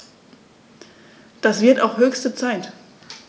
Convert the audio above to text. Das wird auch höchste Zeit!